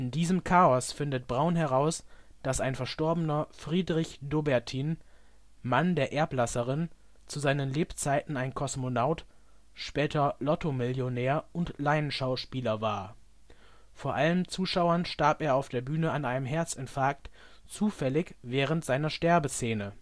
diesem Chaos findet Braun heraus, dass ein verstorbener Friedrich Dobertin, Mann der Erblasserin, zu seinen Lebzeiten ein Kosmonaut, später Lottomillionär und Laienschauspieler war. Vor allen Zuschauern starb er auf der Bühne an einem Herzinfarkt zufällig während seiner Sterbeszene